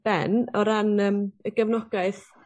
ben o ran yym y gefnogaeth